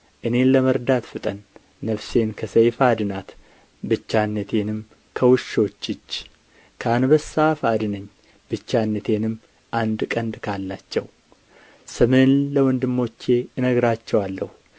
እኔን ለመርዳት ፍጠን ነፍሴን ከሰይፍ አድናት ብቻነቴንም ከውሾች እጅ ከአንበሳ አፍ አድነኝ ብቻነቴንም አንድ ቀንድ ካላቸው ስምህን ለወንድሞቼ እነግራቸዋለሁ